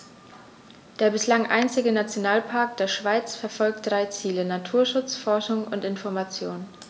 Der bislang einzige Nationalpark der Schweiz verfolgt drei Ziele: Naturschutz, Forschung und Information.